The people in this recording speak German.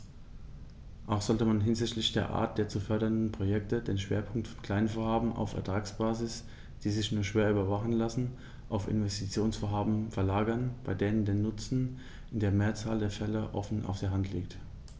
Auch sollte man hinsichtlich der Art der zu fördernden Projekte den Schwerpunkt von Kleinvorhaben auf Ertragsbasis, die sich nur schwer überwachen lassen, auf Investitionsvorhaben verlagern, bei denen der Nutzen in der Mehrzahl der Fälle offen auf der Hand liegt.